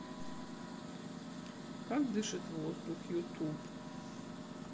как дышит воздух ютуб